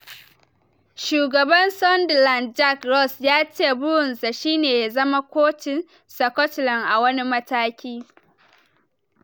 Shugaban Sunderland Jack Ross ya ce "burinsa" shi ne ya zama kocin Scotland a wani mataki.